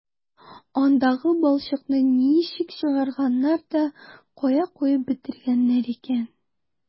Андагы балчыкны ничек чыгарганнар да кая гына куеп бетергәннәр икән...